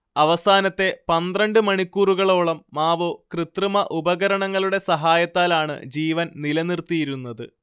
അവസാനത്തെ പന്ത്രണ്ട് മണിക്കൂറുകളോളം മാവോ കൃത്രിമ ഉപകരണങ്ങളുടെ സഹായത്താലാണ് ജീവൻ നിലനിർത്തിയിരുന്നത്